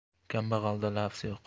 kambag'alda lafz yo'q